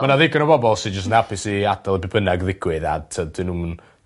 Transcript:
A ma' 'na ddigon o bobol sy jst yn apus i adal i be' bynnag ddigwydd a t'od 'dyn nw'm 'n